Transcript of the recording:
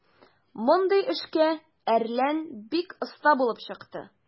Мондый эшкә "Әрлән" бик оста булып чыкты.